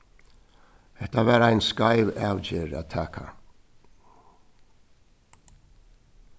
hetta var ein skeiv avgerð at taka